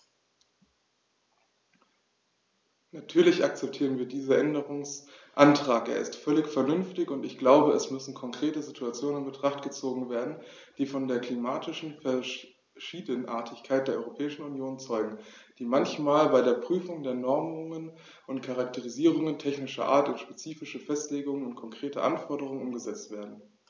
Natürlich akzeptieren wir diesen Änderungsantrag, er ist völlig vernünftig, und ich glaube, es müssen konkrete Situationen in Betracht gezogen werden, die von der klimatischen Verschiedenartigkeit der Europäischen Union zeugen, die manchmal bei der Prüfung der Normungen und Charakterisierungen technischer Art in spezifische Festlegungen und konkrete Anforderungen umgesetzt werden.